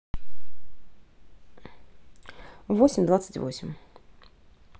восемь двадцать восемь